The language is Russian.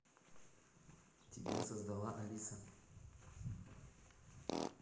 тебя создала алиса